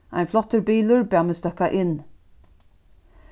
ein flottur bilur bað meg støkka inn